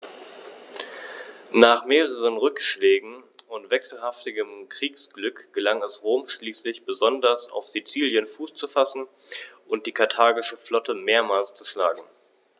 Nach mehreren Rückschlägen und wechselhaftem Kriegsglück gelang es Rom schließlich, besonders auf Sizilien Fuß zu fassen und die karthagische Flotte mehrmals zu schlagen.